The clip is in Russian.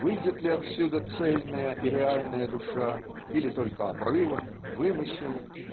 выйдет ли отсюда цельная и реальная душа или только обрывок, вымысел